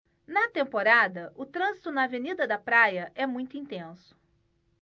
na temporada o trânsito na avenida da praia é muito intenso